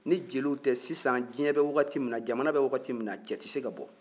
ni jeliw tɛ sisan diɲɛ bɛ wagati min na jamana bɛ min na cɛ tɛ se ka bɔ